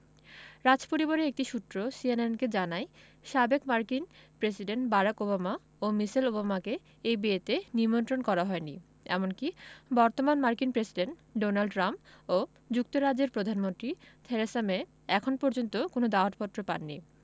রাজপরিবারের একটি সূত্র সিএনএনকে জানায় সাবেক মার্কিন প্রেসিডেন্ট বারাক ওবামা ও মিশেল ওবামাকে এই বিয়েতে নিমন্ত্রণ করা হয়নি এমনকি বর্তমান মার্কিন প্রেসিডেন্ট ডোনাল্ড ট্রাম্প ও যুক্তরাজ্যের প্রধানমন্ত্রী থেরেসা মে এখন পর্যন্ত কোনো দাওয়াতপত্র পাননি